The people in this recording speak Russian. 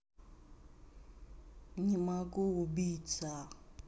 не могу убийца